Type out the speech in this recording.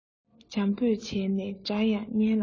བྱམས པོས བྱས ན དགྲ ཡང གཉེན ལ འགྲོ